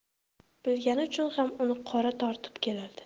bilgani uchun ham uni qora tortib keldi